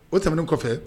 O tɛmɛn kɔfɛ